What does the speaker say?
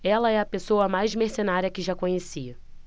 ela é a pessoa mais mercenária que já conheci